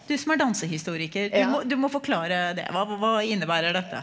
du som er dansehistoriker, du må du må forklare det, hva hva innebærer dette?